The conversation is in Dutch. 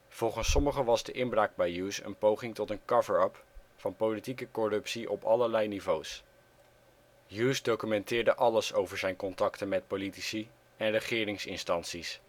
Volgens sommigen was de inbraak bij Hughes een poging tot een cover-up van politieke corruptie op allerlei niveaus. Hughes documenteerde alles over zijn contacten met politici en regeringsinstanties